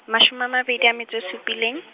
mashome a mabedi a metso e supileng.